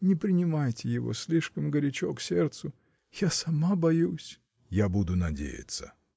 не принимайте его слишком горячо к сердцу — я сама боюсь. — Я буду надеяться.